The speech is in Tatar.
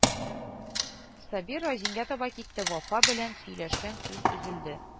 Сабир Разингә таба китте, Вафа белән сөйләшкән сүз өзелде